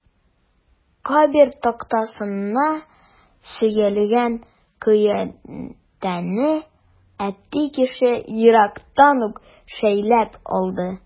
Кабер тактасына сөялгән көянтәне әти кеше ерактан ук шәйләп алды.